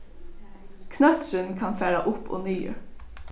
knøtturin kann fara upp og niður